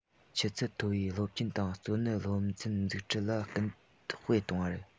ཆུ ཚད མཐོ བའི སློབ ཆེན དང གཙོ གནད སློབ ཚན འཛུགས ཁྲིད ལ སྐུལ སྤེལ གཏོང དགོས